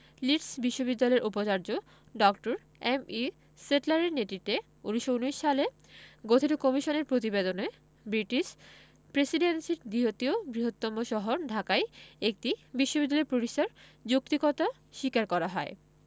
Leeds বিশ্ববিদ্যালয়ের উপাচার্য ড. এম.ই স্যাডলারের নেতৃত্বে ১৯১৯ সালে গঠিত কমিশনের প্রতিবেদনে ব্রিটিশ প্রেসিডেন্সির দ্বিতীয় বৃহত্তম শহর ঢাকায় একটি বিশ্ববিদ্যালয় প্রতিষ্ঠার যৌক্তিকতা স্বীকার করা হয়